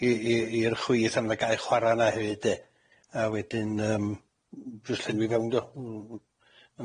i- i- i'r chwith a mae 'na gae chwara' yna hefyd de a wedyn yym jyst llenwi fewn dio? ww